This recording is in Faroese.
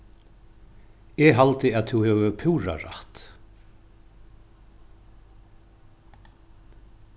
eg haldi at tú hevur púra rætt